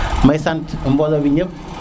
may sant mbolo mi ñëp